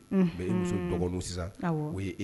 Mais i muso dɔgɔnin sisan